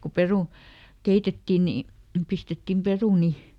kun - keitettiin niin pistettiin perunoita